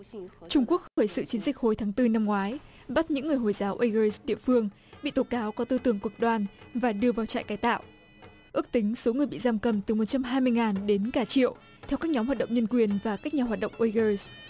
trung quốc khởi sự chiến dịch hồi tháng tư năm ngoái bắt những người hồi giáo uây ơ địa phương bị tố cáo có tư tưởng cực đoan và đưa vào trại cải tạo ước tính số người bị giam cầm từ một trăm hai mươi ngàn đến cả triệu theo các nhóm hoạt động nhân quyền và các nhà hoạt động uây ơ